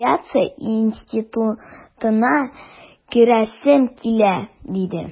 Авиация институтына керәсем килә, диде...